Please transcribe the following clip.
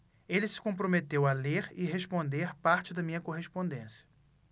ele se comprometeu a ler e responder parte da minha correspondência